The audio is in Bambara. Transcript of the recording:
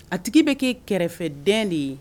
A tigi bɛ kɛ kɛrɛfɛ den de ye